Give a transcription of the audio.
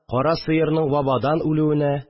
Кара сыерның вабадан үлүенә